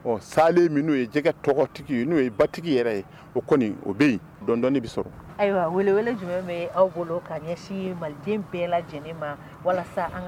Sa ye jɛgɛ tɔgɔ tigi n'o ye ba tigi yɛrɛ ye o kɔni o bɛ bɛ sɔrɔ ayiwa wele jumɛn bɛ aw bolo ka ɲɛsin ye manden bɛɛ la lajɛlen ma walasa